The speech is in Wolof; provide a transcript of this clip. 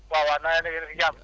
waaw waaw mbaa yéen a ngi si jàmm